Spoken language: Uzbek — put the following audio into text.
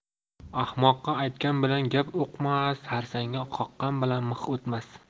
ahmoqqa aytgan bilan gap uqmas xarsangga qoqqan bilan mix o'tmas